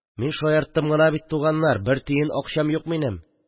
– мин шаярттым гына бит, туганнар, бер тиен акчам юк минем...